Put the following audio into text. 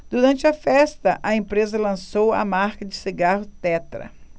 durante a festa a empresa lançou a marca de cigarros tetra